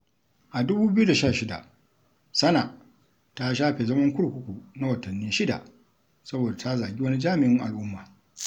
A 2016, Sanaa ta shafe zaman kurkuku na watanni shida saboda ta zagi wani jami'in al'umma.